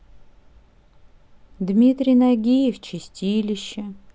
дмитрий нагиев чистилище